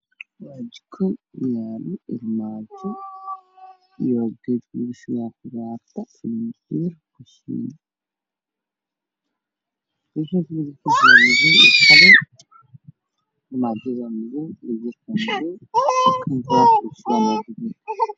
Wajiko waxaa yaalla khilaaf be meel laga rabto yahay guduud dhulka mu